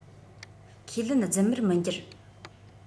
ཁས ལེན རྫུན མར མི འགྱུར